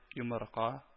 Йомырка